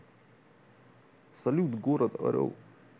салют город орел